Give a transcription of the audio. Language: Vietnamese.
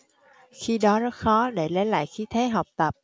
khi đó rất khó để lấy lại khí thế học tập